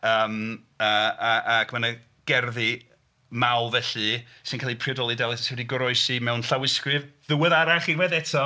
Yym a a ac ma' 'na gerddi mawl felly sy'n cael eu priodoli, de sy wedi goroesi mewn llawysgrif ddiweddarach unwaith eto.